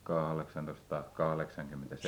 kahdeksantoistasataakahdeksankymmentäseitsemän